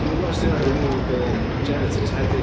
Dwi'm yn gwbod os 'di o hynna'n removable genitals hefyd.